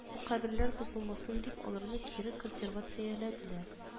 Бу каберләр бозылмасын дип аларны кире консервацияләделәр